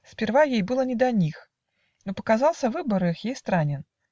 Сперва ей было не до них, Но показался выбор их Ей странен.